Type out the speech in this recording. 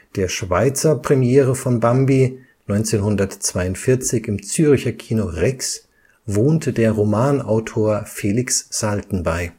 Der Schweizer Premiere von Bambi 1942 im Zürcher Kino „ Rex “wohnte der Romanautor Felix Salten bei